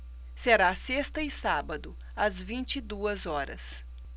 será sexta e sábado às vinte e duas horas